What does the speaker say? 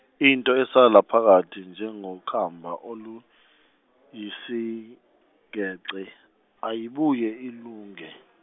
into esala phakathi njengokhamba oluyisigece, ayibuye ilunge.